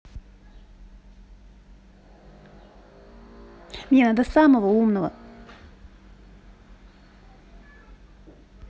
мне надо самого умного